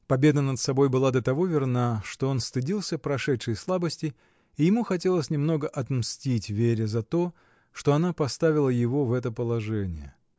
Победа над собой была до того верна, что он стыдился прошедшей слабости, и ему хотелось немного отомстить Вере за то, что она поставила его в это положение.